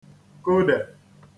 kodè